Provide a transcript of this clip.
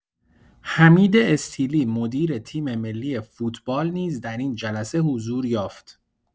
حمید استیلی مدیر تیم‌ملی فوتبال نیز در این جلسه حضور یافت.